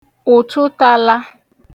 ụ̀tụtalā